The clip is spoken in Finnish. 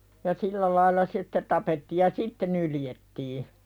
ja sillä lailla se sitten tapettiin ja sitten nyljettiin